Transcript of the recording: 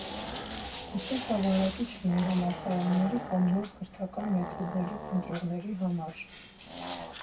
Գուցե սա վարակիչ լինի համալսարանների կամ նոր կրթական մեթոդներ փնտրողների համար։